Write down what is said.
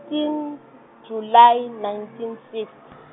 in July, nineteen sixty.